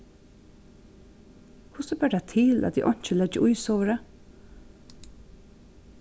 hvussu ber tað til at eg einki leggi í sovorðið